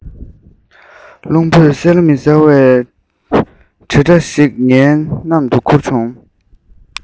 རླུང བུས གསལ ལ མི གསལ བའི དྲིལ སྒྲ ཞིག ངའི རྣ ལམ དུ ཁུར བྱུང